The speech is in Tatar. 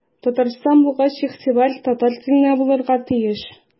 Татарстан булгач игътибар татар теленә булырга тиеш.